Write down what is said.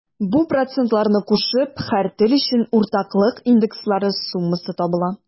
Бу процентларны кушып, һәр тел өчен уртаклык индекслары суммасы табыла.